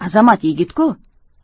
azamat yigit ku